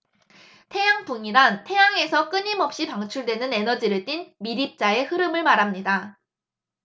태양풍이란 태양에서 끊임없이 방출되는 에너지를 띤 미립자의 흐름을 말합니다